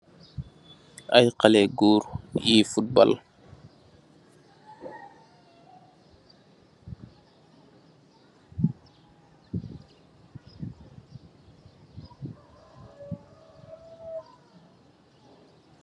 Ay xale goor yi fotbal